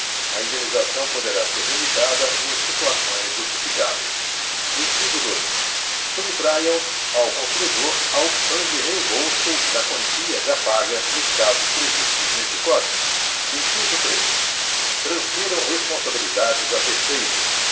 a indenização poderá ser limitada em situações justificáveis inciso dois subtraiam ao consumidor a opção de reembolso da quantia já paga nos casos previstos neste código inciso três transfiram responsabilidades a terceiros